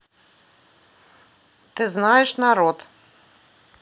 ты знаешь народ